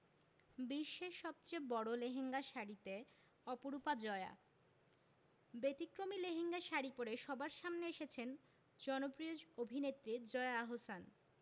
বিশ্বের সবচেয়ে বড় লেহেঙ্গা শাড়িতে অপরূপা জয়া ব্যতিক্রমী লেহেঙ্গা শাড়ি পরে সবার সামনে এসেছেন জনপ্রিয় অভিনেত্রী জয়া আহসান